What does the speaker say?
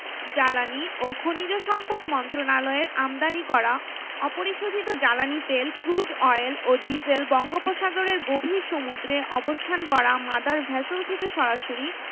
জ্বালানি ও খনিজ সম্পদ মন্ত্রণালয়ের আমদানি করা অপরিশোধিত জ্বালানি তেল ক্রুড অয়েল ও ডিজেল বঙ্গোপসাগরের গভীর সমুদ্রে অবস্থান করা মাদার ভেসেল থেকে সরাসরি